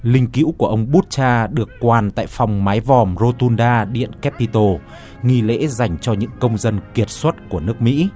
linh cữu của ông bút cha được quàn tại phòng mái vòm rô tun đa điện kép pít tồ nghi lễ dành cho những công dân kiệt xuất của nước mỹ